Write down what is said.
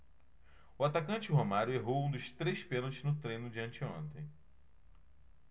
o atacante romário errou um dos três pênaltis no treino de anteontem